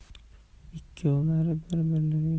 ikkovlari bir biriga